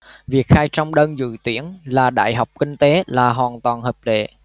việc khai trong đơn dự tuyển là đại học kinh tế là hoàn toàn hợp lệ